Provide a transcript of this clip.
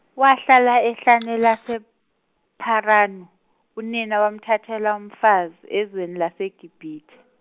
wahlala ehlane lasePharanu, unina wamthathela umfazi, ezweni laseGibithe.